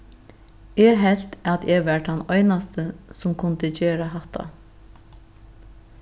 eg helt at eg var tann einasti sum kundi gera hatta